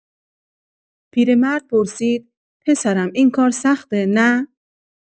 پیرمرده پرسید: «پسرم، این کار سخته، نه؟»